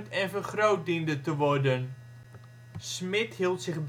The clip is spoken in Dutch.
en vergroot diende te worden. Schmidt hield zich